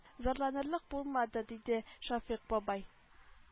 Зарланырлык булмады диде шәфыйкъ бабай